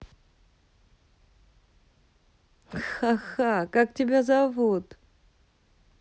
хаха как тебя зовут